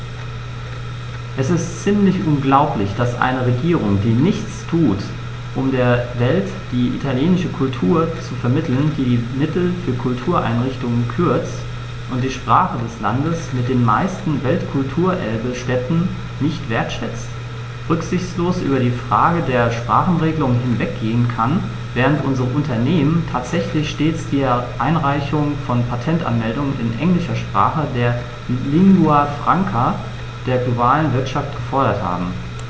Es ist ziemlich unglaublich, dass eine Regierung, die nichts tut, um der Welt die italienische Kultur zu vermitteln, die die Mittel für Kultureinrichtungen kürzt und die Sprache des Landes mit den meisten Weltkulturerbe-Stätten nicht wertschätzt, rücksichtslos über die Frage der Sprachenregelung hinweggehen kann, während unsere Unternehmen tatsächlich stets die Einreichung von Patentanmeldungen in englischer Sprache, der Lingua Franca der globalen Wirtschaft, gefordert haben.